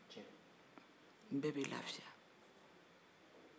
bɛɛ bɛ lafiya